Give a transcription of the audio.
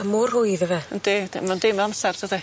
A mor rhwydd yfe. Yndi yndi. Ma'n dim o amsar tydi?